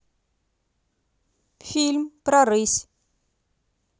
фильм про рысь